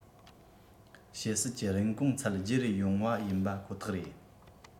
བྱེད སྲིད ཀྱི རིན གོང ཚད བརྗེ རུ ཡོང བ ཡིན པ ཁོ ཐག རེད